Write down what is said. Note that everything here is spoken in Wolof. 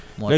waaw